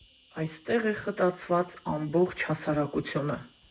Այդտեղ է խտացված ամբողջ հասարակությունը.